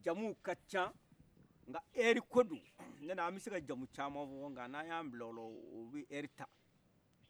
jamu ka can nga hɛri kodo cɛna anbiseka jamu caman fɔ nga n'an ya bila ola obi hɛrita